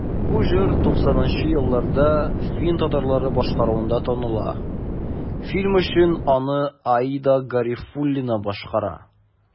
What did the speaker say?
Бу җыр 90 нчы елларда фин татарлары башкаруында таныла, фильм өчен аны Аида Гарифуллина башкара.